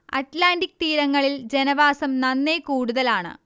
Atlantic തീരങ്ങളിൽ ജനവാസം നന്നെ കൂടുതലാണ്